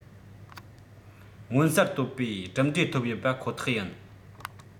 མངོན གསལ དོད པའི གྲུབ འབྲས ཐོབ ཡོད པ ཁོ ཐག ཡིན